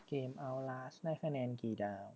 เกมเอ้าลาสได้คะแนนกี่ดาว